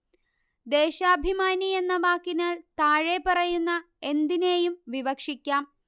ദേശാഭിമാനി എന്ന വാക്കിനാൽ താഴെപ്പറയുന്ന എന്തിനേയും വിവക്ഷിക്കാം